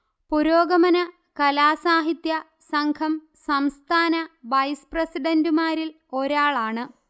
പുരോഗമന കലാ സാഹിത്യ സംഘം സംസ്ഥാന വൈസ് പ്രസിഡന്റുമാരിലൊരാളാണ്